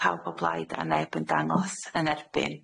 Pawb o blaid a neb yn dangos yn erbyn.